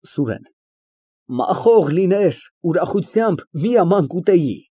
ՍՈՒՐԵՆ ֊ Մախոխ լիներ, ուրախությամբ մի աման կուտեի։